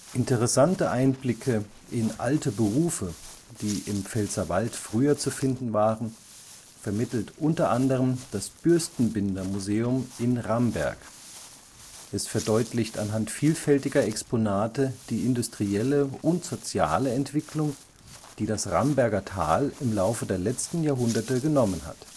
Interessante Einblicke in alte Berufe, die im Pfälzerwald früher zu finden waren, vermittelt u. a. das Bürstenbindermuseum in Ramberg; es verdeutlicht anhand vielfältiger Exponate die industrielle und soziale Entwicklung, die das Ramberger Tal im Laufe der letzten Jahrhunderte genommen hat